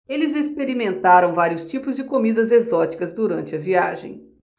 eles experimentaram vários tipos de comidas exóticas durante a viagem